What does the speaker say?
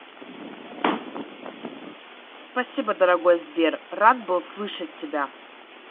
спасибо дорогой сбер рад был слышать тебя